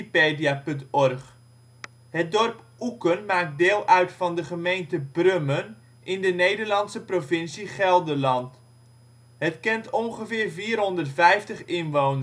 7 ' NB, 6° 9 ' OL Oeken Plaats in Nederland Situering Provincie Gelderland Gemeente Brummen Coördinaten 52° 7′ NB, 6° 9′ OL Overig Postcode 6971 Netnummer 0575 Portaal Nederland Het dorp Oeken maakt deel uit van de gemeente Brummen in de Nederlandse provincie Gelderland. Het kent ongeveer 450 inwoners. De